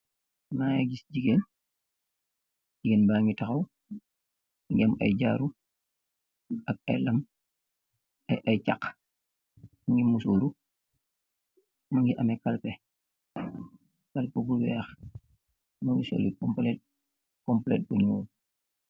Mage gis jigeen jigeen ba ngi taxaw mugi am jaaru ak ay lam ak ay caxx mugi musooru mogi ameh kalpe kalpeh bu weex mogi sool kompalet kompalet bu nuul.